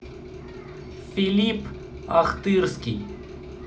филипп ахтырский